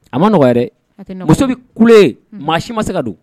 A ma nɔgɔ muso bɛ kulen maa si ma se ka don